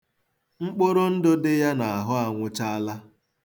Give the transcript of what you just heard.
Mkpụrụndụ dị ya n'ahụ anwụchaala.